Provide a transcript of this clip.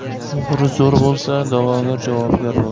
o'g'ri zo'r bo'lsa da'vogar javobgar bo'lar